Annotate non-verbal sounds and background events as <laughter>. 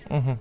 <hesitation> <hesitation>